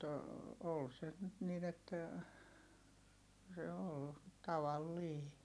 mutta oli se nyt niin että se oli tavallinen